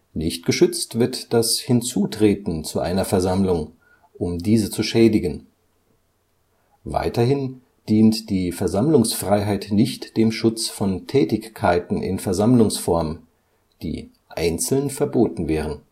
Nicht geschützt wird das Hinzutreten zu einer Versammlung, um diese zu schädigen. Weiterhin dient die Versammlungsfreiheit nicht dem Schutz von Tätigkeiten in Versammlungsform, die einzelnen verboten wären